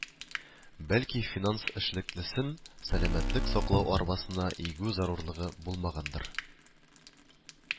Бәлки финанс эшлеклесен сәламәтлек саклау арбасына игү зарурлыгы булмагандыр